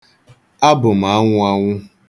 Abụ m anwụanwụ.